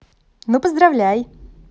ну поздравляй